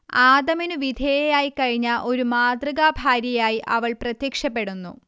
ആദമിനു വിധേയയായി കഴിഞ്ഞ ഒരു മാതൃകാഭാര്യ യായി അവൾ പ്രത്യക്ഷപ്പെടുന്നു